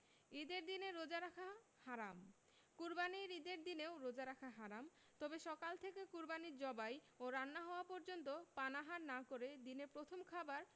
ঈদের দিনে রোজা রাখা হারাম কোরবানির ঈদের দিনেও রোজা রাখা হারাম তবে সকাল থেকে কোরবানি জবাই ও রান্না হওয়া পর্যন্ত পানাহার না করে দিনের প্রথম খাবার